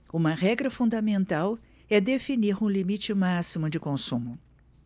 uma regra fundamental é definir um limite máximo de consumo